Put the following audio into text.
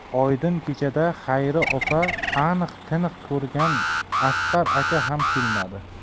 oydin kechada xayri opa aniq tiniq ko'rgan asqar aka ham kelmadi